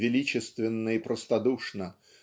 величественно и простодушно